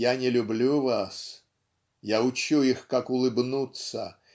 я не люблю вас Я учу их, как улыбнуться.